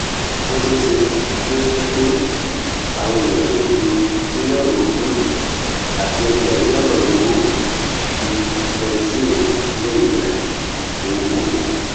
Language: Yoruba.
Ó ṣeé ṣé kí ó jẹ́pé àwọn ènìyàn tó ju mílíọ̀nù ogun àti ẹgbẹ̀rún lọ́nà irinwó ti Nielsen ròyìn rẹ̀ ló wò o.